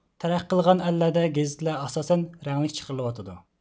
تەرەققىي قىلغان ئەللەردە گېزىتلەر ئاساسەن رەڭلىك چىقىرىلىۋاتىدۇ